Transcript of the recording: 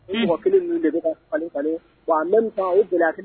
I ma wa